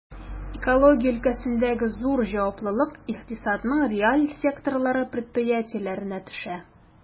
Экология өлкәсендәге зур җаваплылык икътисадның реаль секторлары предприятиеләренә төшә.